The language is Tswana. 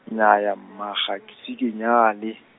nnyaya mma ga, ke se dinale.